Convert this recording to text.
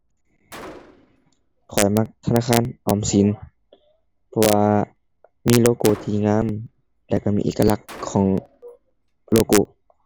ข้อยมักธนาคารออมสิน เพราะว่ามีโลโกที่งาม แล้วก็มีเอกลักษณ์ของโลโก